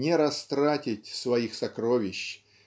Не растратить своих сокровищ